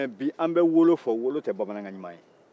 mɛ bi an bɛ wolo fɔ wolo tɛ bamanankan ɲuman ye